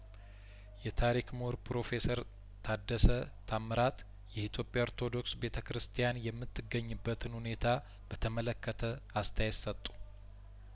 የታሪክ ምሁር ፕሮፌሰር ታደሰ ታምራት የኢትዮጵያ ኦርቶዶክስ ቤተ ክርስትያን የምተገኝ በትን ሁኔታ በተመለከተ አስተያየት ሰጡ